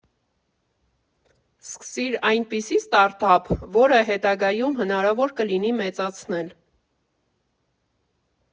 Սկսիր այնպիսի ստարտափ, որը հետագայում հնարավոր կլինի մեծացնել։